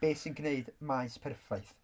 Be sy'n gwneud maes perffaith?